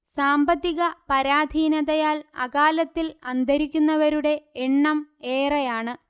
സാമ്പത്തികപരാധീനതയാൽ അകാലത്തിൽ അന്തരിക്കുന്നവരുടെ എണ്ണം ഏറെയാണ്